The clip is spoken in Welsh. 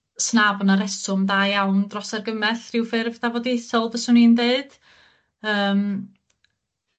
'sna bo' 'na reswm da iawn dros argymell ryw ffurf dafodieithol fyswn i'n dweud yym